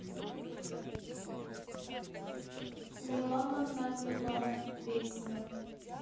милана на милана песня